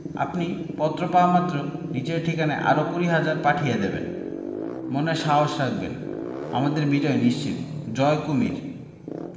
আপনি পত্র পাওয়ামাত্র নিচের ঠিকানায় আরো কুড়ি হাজার পাঠিয়ে দেবেন মনে সাহস রাখবেন আমাদের বিজয় নিশ্চিত জয় কুমীর